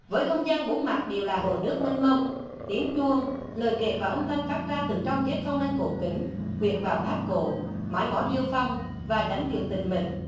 với không gian bốn mặt đều là hồ nước mênh mông tiếng chuông lời kể và âm thanh phát ra từ trong chiếc phong linh cổ kính quyện vào tháp cổ mái ngói rêu phong và chánh điện tĩnh mịch